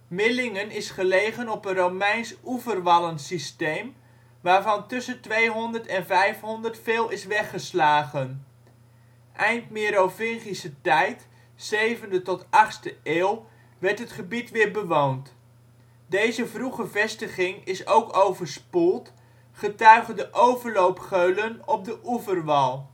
Millingen is gelegen op een Romeins oeverwallensysteem, waarvan tussen 200 en 500 veel is weggeslagen. Eind Merovingische tijd (7e - 8e eeuw) werd het gebied weer bewoond. Deze vroege vestiging is ook overspoeld, getuige de overloopgeulen op de oeverwal